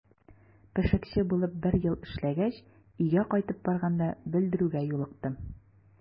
Пешекче булып бер ел эшләгәч, өйгә кайтып барганда белдерүгә юлыктым.